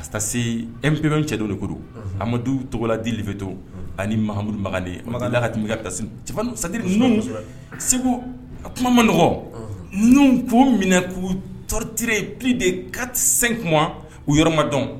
Ka taa se epbɛn cɛ dɔ de ko a amadu du togola di fɛt aniha mamuduli ala ka tun bɛ ka ki cɛba sadiri segu a kuma ma n nɔgɔ ninnu k'u minɛ k'u tɔɔrɔtirire p de ka sen kuma u yɔrɔma dɔn